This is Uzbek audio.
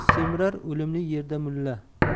semirar o'limli yerda mulla